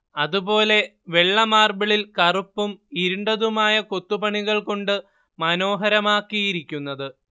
അതുപോലെ വെള്ള മാർബിളിൽ കറുപ്പും ഇരുണ്ടതുമായ കൊത്തുപണികൾ കൊണ്ട് മനോഹരമാക്കിയിരിക്കുന്നത്